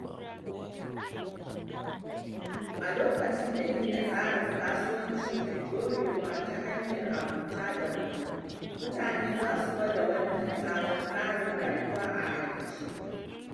A lokacin da gina tsarin kasuwanci mai ɗorewa ta hanyar abota da rabo, mutane za su gwada wannan sabon tsarin rayuwar a aikace,